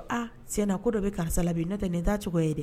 Aa senna ko dɔ bɛ karisa la bi n'o tɛ nin n taacogo ye di